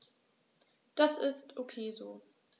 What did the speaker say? Das ist ok so.